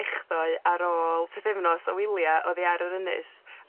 ...echddoe ar ôl pythefnos o wylia oddi ar yr ynys